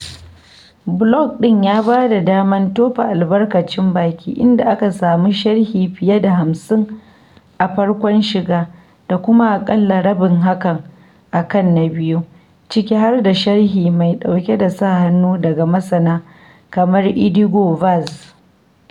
Blog ɗin ya bada daman tofa albarkacin baki, inda aka samu sharhi fiye da 50 a farkon shiga da kuma aƙalla rabin hakan akan na biyu, ciki har da sharhi mai ɗauke da sa hannu daga masana kamar Edígio Vaz [pt].